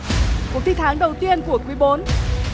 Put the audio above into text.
cuộc thi tháng đầu tiên của quý bốn